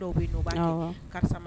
Dɔwu karisa